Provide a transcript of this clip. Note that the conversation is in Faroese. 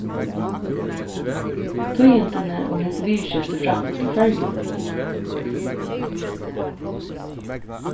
tíðindini um hesi viðurskiftir frættust til føroya